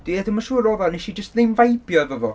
Dwi, ie, dwi'm yn siŵr be odd o, ond wnes i jyst ddim feibio efo fo.